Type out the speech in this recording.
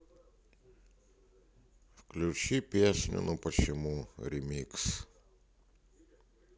включи песню ну почему ремикс